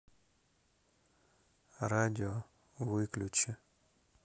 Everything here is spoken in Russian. радио выключи